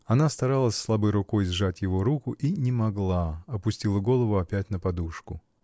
Она старалась слабой рукой сжать его руку и не могла, опустила голову опять на подушку.